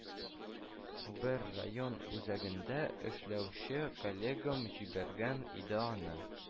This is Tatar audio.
Бер район үзәгендә эшләүче коллегам җибәргән иде аны